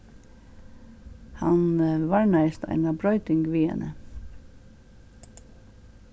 hann varnaðist eina broyting við henni